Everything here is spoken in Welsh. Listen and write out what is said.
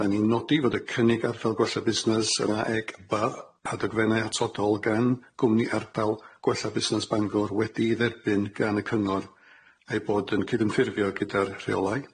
Dan ni'n nodi fod y cynnig ardal gwella busnes yn aeg ba- hadogfennau atodol gan gwmni ardal gwella busnes Bangor wedi'i dderbyn gan y cynor a'i bod yn cydymffurfio gyda'r rheolau.